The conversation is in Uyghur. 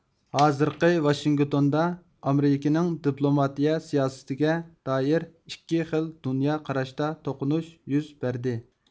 ھازىرقى ۋاشىنگتوندا ئامېرىكىنىڭ دىپلوماتىيە سىياسىتىگە دائىر ئىككى خىل دۇنيا قاراشتا توقۇنۇش يۈز بەردى